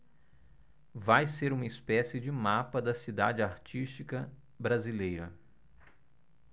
vai ser uma espécie de mapa da cidade artística brasileira